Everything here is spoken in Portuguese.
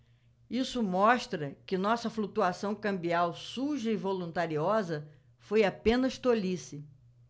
isso mostra que nossa flutuação cambial suja e voluntariosa foi apenas tolice